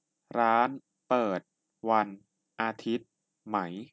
ร้านเปิดวันอาทิตย์ไหม